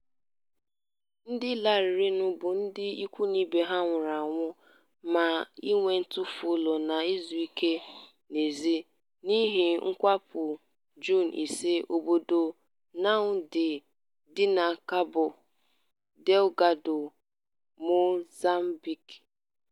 Ndị lanarịrịnụ bụ ndị ikwu na ibe ha nwụrụ anwụ ma nwe ntufu ụlọ na-ezuike n'ezi n'ihi mwakpo Juun 5 n'obodo Naunde dị na Cabo Delgado, Mozambique.